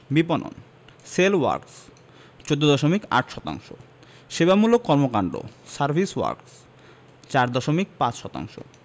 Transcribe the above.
বিপণন sales works ১৪দশমিক ৮ শতাংশ সেবামূলক কর্মকান্ড সার্ভিস ওয়ার্ক্স ৪ দশমিক ৫ শতাংশ